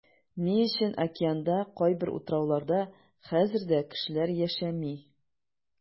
Ни өчен океанда кайбер утрауларда хәзер дә кешеләр яшәми?